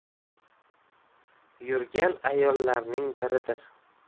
yurgan ayollarning biridir